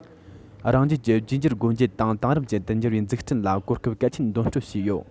རང རྒྱལ གྱི བསྒྱུར བཅོས སྒོ འབྱེད དང དེང རབས ཅན དུ འགྱུར བའི འཛུགས སྐྲུན ལ གོ སྐབས གལ ཆེན འདོན སྤྲོད བྱས ཡོད